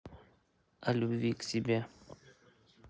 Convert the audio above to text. о любви к себе